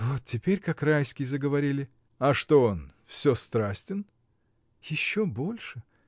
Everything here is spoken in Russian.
— Вот теперь, как Райский, заговорили. — А что он: всё страстен? — Еще больше.